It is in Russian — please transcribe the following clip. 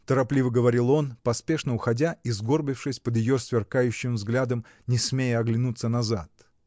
— торопливо говорил он, поспешно уходя и сгорбившись под ее сверкающим взглядом, не смея оглянуться назад.